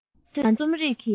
ང ཚོས རྩོམ རིག གི